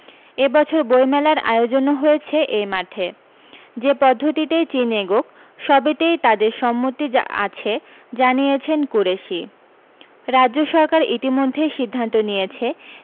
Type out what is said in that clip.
এ বছর বৈমেলার আয়োজনও হয়েছে এই মাঠে যে পদ্ধতিতেই চীন এগোক সবেতেই তাঁদের সম্মতি আছে জানিয়েছেন কুরেশি রাজ্য সরকার ইতিমধ্যেই সিদ্ধান্ত নিয়েছে